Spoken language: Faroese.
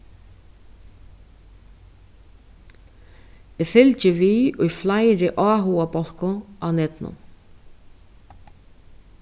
eg fylgi við í fleiri áhugabólkum á netinum